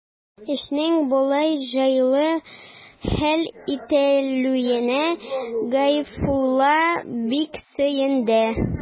Эшнең болай җайлы хәл ителүенә Гайфулла бик сөенде.